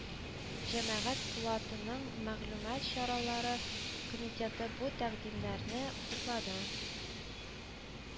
Җәмәгать пулатының Мәгълүмат чаралары комитеты бу тәкъдимнәрне хуплады